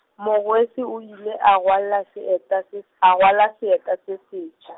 morwesi o ile a rwalla seeta se, a rwala seeta se setjha.